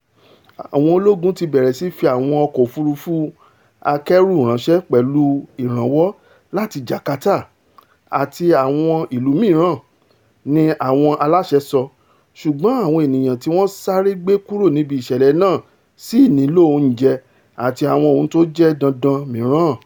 Àwọn ológun ti bẹ̀rẹ̀ sí fi àwọn ọkọ̀ òfurufú akẹ́rù ránṣẹ́ pẹ̀lú ìrànwọ́ làti Jarkata àti àwọn ìlú mìíràn, ni àwọn aláṣẹ sọ, ṣùgbọ́n àwọn ènìyàn tíwọn sáré gbé kúro níbí ìṣẹ̀lẹ̀ náà sì nílò oúnjẹ àti àwọn ohun tójẹ́ dandan mìíràn.